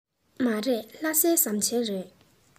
མ རེད ལྷ སའི ཟམ ཆེན རེད